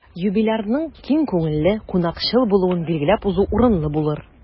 Юбилярның киң күңелле, кунакчыл булуын билгеләп узу урынлы булыр.